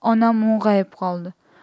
onam mung'ayib qoldi